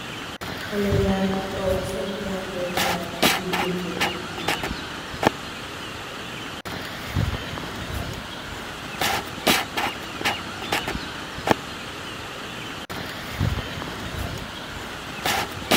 Xalèh ya ngi tóóg sèèn jangèè kai di bindi.